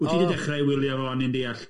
Wyt ti wedi dechrau wylio fo, o'n i'n deallt?